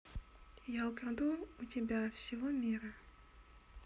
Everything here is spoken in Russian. я украду у тебя всего мира